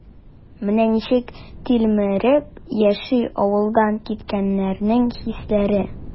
Менә ничек тилмереп яши авылдан киткәннәрнең хислеләре?